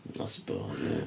I suppose, ia.